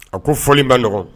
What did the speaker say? A ko foli bɛ nɔgɔn